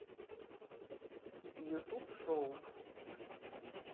ютуб шоу